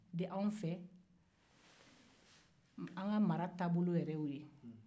an ka mara taabolo yɛrɛ ye o ye